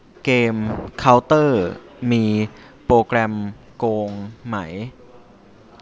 เกมเค้าเตอร์มีโปรแกรมโกงไหม